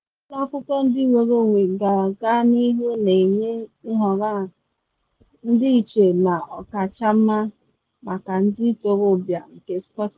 Ụlọ akwụkwọ ndị nnwere onwe ga-aga n’ihu na enye nhọrọ a, ndịiche na ọkachamma maka ndị ntorobịa nke Scotland.